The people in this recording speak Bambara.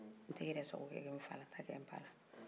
n tɛ yɛrɛ sago ko kɛ n fa la n t'a kɛ n ba la